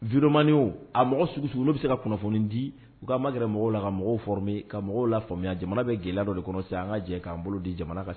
Vidéoman wo, a mɔgɔ sugu o sugu olu bɛ se ka kunnafoni di u ka magɛrɛ mɔgɔw la ka mɔgɔw former ka mɔgɔw lafaamuya jamana bɛ gɛlɛya dɔ de kɔnɔ sisan an ka jɛ k'an bolo di jamana ka